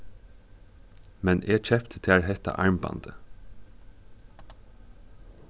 men eg keypti tær hetta armbandið